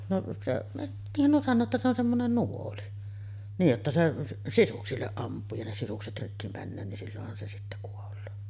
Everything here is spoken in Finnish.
no se niinhän nuo sanoo että se on semmoinen nuoli niin jotta se sisuksille ampuu ja ne sisukset rikki menee niin silloinhan se sitten kuolee